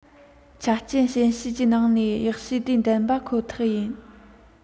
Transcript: ཆ རྐྱེན ཞན ཤོས ཀྱི ནང ནས ཡག ཤོས དེ འདེམས པ ཁོ ཐག ཡིན